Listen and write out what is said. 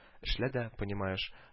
Эшлә дә, понимаешь